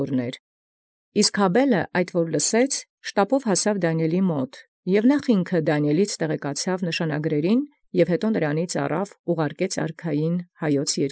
Իսկ Հաբէլին զայն լուեալ, փութանակի հասանէր առ Դանիէլն, և նախ ինքն տեղեկանայր ի Դանիէլէ նշանագրացն, և ապա առեալ ի նմանէ առաքէր առ արքայն յերկիրն Հայոց։